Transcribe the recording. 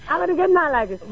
amady gëj naa laa gis